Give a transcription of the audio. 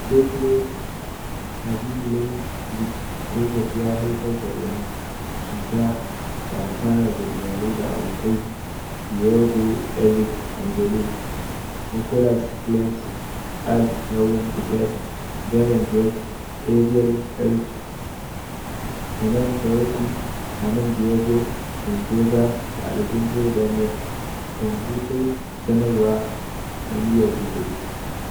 "Sayfullo Habibullaevic Saipov ya haifar da rauni, cuta, da hasara ga iyalai da abokai Diego Enrique Angelini, Nicholas Cleves, Ann-Laure Decadt, Darren Drake, Ariel Erlij, Hernan Ferruchi, Hernan Diego Mendoza, da Alejandro Damian Pagnucco," sanarwa na niyyar jihohi.